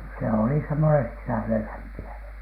se oli semmoinen sisällelämpiävä